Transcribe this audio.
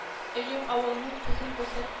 Өең авылның төсен босып